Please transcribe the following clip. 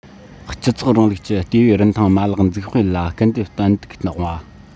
སྤྱི ཚོགས རིང ལུགས ཀྱི ལྟེ བའི རིན ཐང མ ལག འཛུགས སྤེལ ལ སྐུལ འདེད ཏན ཏིག བཏང བ